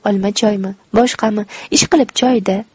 olma choymi boshqami ishqilib choy da